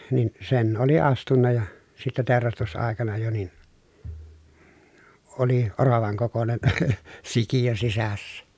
niin sen oli astunut ja sitten teurastusaikana jo niin oli oravan kokoinen sikiö sisässä